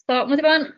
So ma' 'di bo' yn